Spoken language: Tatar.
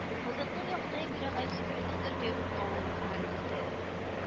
Казыкның якынаеп-ерагаеп сикерүеннән өркеп, авылга элдертә